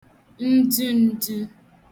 ndtun̄dtū